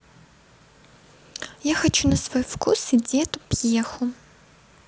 я хочу на свой вкус иди эту пьеху